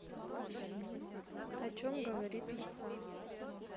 о чем говорит лиса